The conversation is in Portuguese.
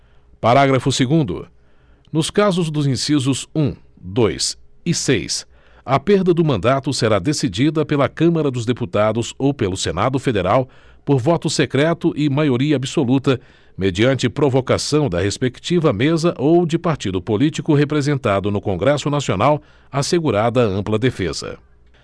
parágrafo segundo nos casos dos incisos um dois e seis a perda do mandato será decidida pela câmara dos deputados ou pelo senado federal por voto secreto e maioria absoluta mediante provocação da respectiva mesa ou de partido político representado no congresso nacional assegurada ampla defesa